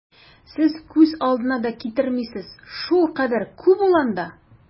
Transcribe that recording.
Сез күз алдына да китермисез, шулкадәр күп ул анда!